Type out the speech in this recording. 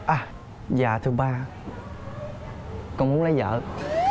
à dạ thưa ba con muốn lấy dợ